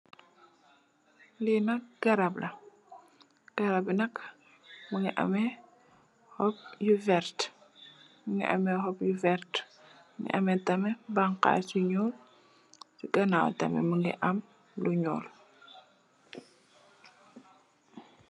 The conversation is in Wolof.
Lee nak garab la garabe nak munge ameh hopp yu verte munge ameh hopp yu verte munge ameh tamin bangas yu nuul se ganaw tamin munge am lu nuul.